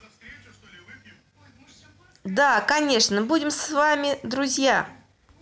да конечно мы будем с вами друзья